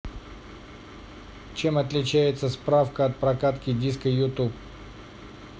чем отличается справка от прокатки диска youtube